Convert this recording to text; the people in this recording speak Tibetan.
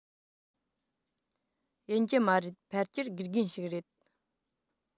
ཡིན གྱི མ རེད ཕལ ཆེར དགེ རྒན ཞིག རེད